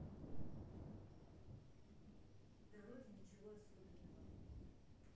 да вроде ничего особенного